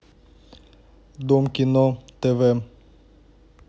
дом кино тв